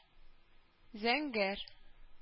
Зәңгәр